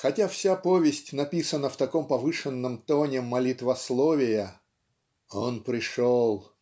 Хотя вся повесть написана в таком повышенном тоне молитвословия ("Он пришел